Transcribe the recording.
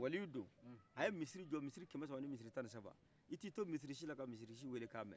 waliyou do a ye misiri jɔ missiri kɛmɛsaba ni misiri tanisaba iti to misiri sila ka misiri si wele kan ɛ